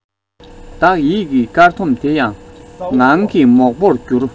བདག ཡིད ཀྱི སྐར ཚོམ དེ ཡང ངང གིས མོག པོར གྱུར